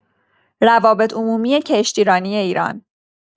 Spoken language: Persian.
روابط‌عمومی کشتیرانی ایران